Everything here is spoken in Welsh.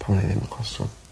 Pan o'n i ddim yn classroom.